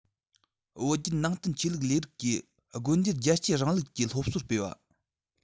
བོད བརྒྱུད ནང བསྟན ཆོས ལུགས ལས རིགས ཀྱིས དགོན སྡེར རྒྱལ གཅེས རིང ལུགས ཀྱི སློབ གསོ སྤེལ བ